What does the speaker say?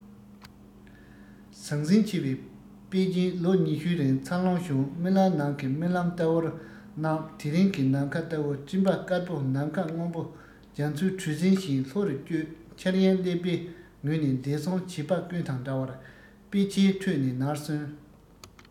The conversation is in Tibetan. ཟང ཟིང ཆེ བའི པེ ཅིན ལོ ཉི ཤུའི རིང འཚར ལོངས བྱུང རྨི ལམ ནང གི རྨི ལམ ལྟ བུར སྣང དེ རིང གི ནམ མཁའ ལྟ བུ སྤྲིན པ དཀར པོ ནམ མཁའ སྔོན པོ རྒྱ མཚོའི གྲུ གཟིངས བཞིན ལྷོ རུ བསྐྱོད འཆར ཡན ཀླད པའི ངོས ནས འདས སོང བྱིས པ ཀུན དང འདྲ བར དཔེ ཆའི ཁྲོད ནས ནར སོན